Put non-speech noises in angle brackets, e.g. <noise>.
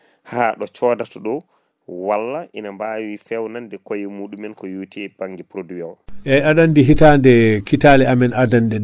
<breath> produit mo ganduɗa oɗo kaadi o heblata ko awdi bele kaadi <hesitation> caɗele kewɗe ina wawa <breath> wasde haɓede e nder ndemteri he